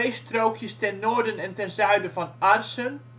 strookjes ten noorden en ten zuiden van Arcen